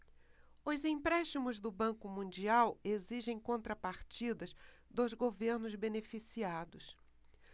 os empréstimos do banco mundial exigem contrapartidas dos governos beneficiados